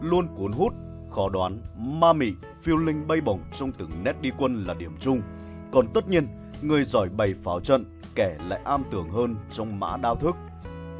luôn cuốn hút khó đoán ma mị phiêu linh bay bổng trong từng nét đi quân là điểm chung còn tất nhiên người giỏi bày pháo trận kẻ lại am tường hơn trong mã đao thức